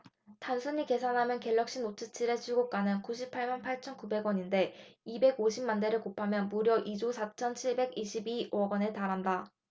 단순히 계산하면 갤럭시노트 칠 의 출고가는 구십 팔 만 팔천 구백 원인데 이백 오십 만대를 곱하면 무려 이 조 사천 칠백 이십 이 억원에 달한다